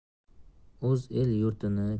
o'z el yurtini